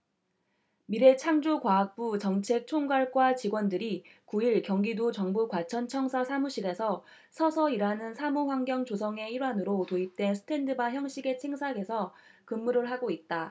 미래창조과학부 정책총괄과 직원들이 구 일 경기도 정부과천청사 사무실에서 서서 일하는 사무환경 조성의 일환으로 도입된 스탠드바 형식의 책상에서 근무를 하고 있다